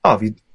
o fi...